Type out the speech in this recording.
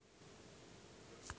великолепный век второй сезон вторая серия